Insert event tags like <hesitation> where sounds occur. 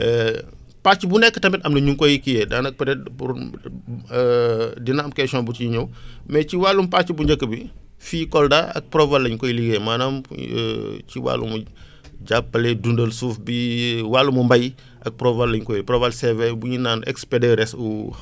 <hesitation> pàcc bu nekk tamit am na nu ñu koy kiiyee daanaka peut être borom <hesitation> dina am question bu ciy ñëw <breath> mais ci wàllum pàcc bu njëkk bi fii Kolda ak PROVAL lañ koy liggéeee maanaam <hesitation> ci wàllum <breath> jàppale dundal suuf bi <hesitation> wàllum mbéy ak PROVAL lañ koy PROVAL CV bu ñuy naan ex PDRS ou